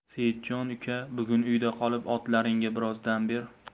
seitjon uka bugun uyda qolib otlaringga biroz dam ber